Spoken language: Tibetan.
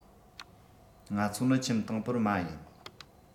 ང ཚོ ནི ཁྱིམ དང པོར མ ཡིན